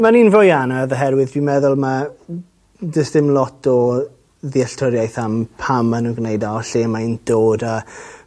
Ma'n un fwy anodd oherwydd dwi'n meddwl ma' m- does dim lot o ddealltwriaeth am pam ma' nw'n gwneud o a lle mae'n dod a